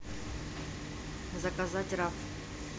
заказать раф